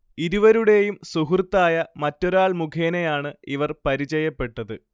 ഇരുവരുടെയും സുഹൃത്തായ മറ്റൊരാൾ മുഖേനയാണ് ഇവർ പരിചയപ്പെട്ടത്